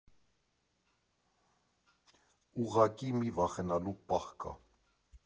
Ուղղակի մի վախենալու պահ կա.